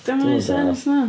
'Di o'm yn wneud sens na?